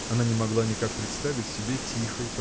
Она не могла никак представить себе тихой